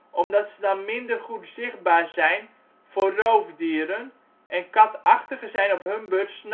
omdat ze dan minder goed zichtbaar zijn voor roofdieren, en katachtigen zijn op hun beurt ' s